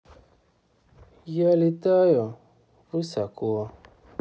я летал высоко